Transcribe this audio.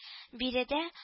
Биредә